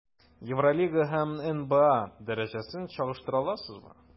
Евролига һәм НБА дәрәҗәсен чагыштыра аласызмы?